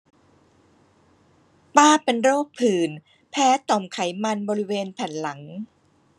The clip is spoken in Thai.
ป้าเป็นโรคผื่นแพ้ต่อมไขมันบริเวณแผ่นหลัง